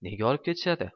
nega olib ketishadi